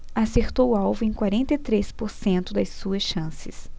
acertou o alvo em quarenta e três por cento das suas chances